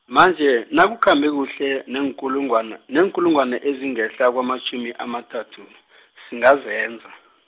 manje, nakukhambe kuhle, neenkulungwana, neenkulungwana, ezingehla kwamatjhumi amathathu , singazenza .